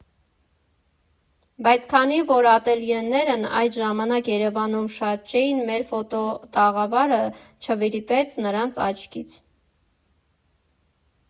֊ Բայց քանի որ ատելյեներն այդ ժամանակ Երևանում շատ չէին, մեր ֆոտոտաղավարը չվրիպեց նրանց աչքից։